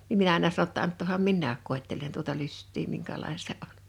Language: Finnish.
niin minä aina sanoin jotta antakaahan minäkin koettelen tuota lystiä minkälainen se on